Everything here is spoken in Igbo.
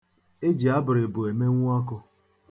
E ji abụrịbụ emenwu ọkụ.